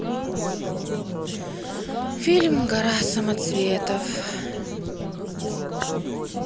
фильм гора самоцветов